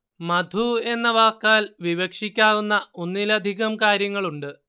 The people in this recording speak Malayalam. മധു എന്ന വാക്കാൽ വിവക്ഷിക്കാവുന്ന ഒന്നിലധികം കാര്യങ്ങളുണ്ട്